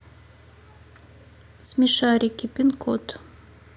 смешарики пинкод